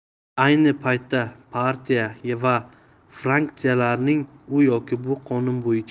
ayni paytda partiya va fraksiyalarning u yoki bu qonun bo'yicha